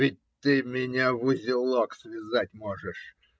Ведь ты меня в узелок связать можешь.